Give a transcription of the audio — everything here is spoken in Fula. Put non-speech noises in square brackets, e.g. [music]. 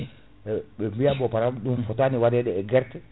ɓe biya bo p ɗum fotani [noise] waɗe e guerte